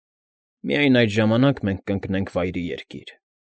Միայն այդ ժամանակ մենք կընկնենք Վայրի Երկիր։